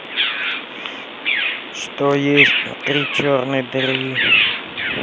что есть внутри черной дыры